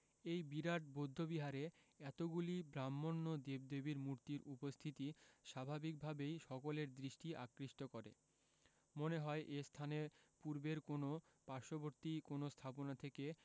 এই বিরাট বৌদ্ধ বিহারে এতগুলি ব্রাক্ষ্মণ্য দেব দেবীর মূতির্র উপস্থিতি স্বাভাবিকভাবেই সকলের দৃষ্টি আকৃষ্ট করে মনে হয় এ স্থানের পূর্বের কোন বা পার্শ্ববর্তী কোন স্থাপনা থেকে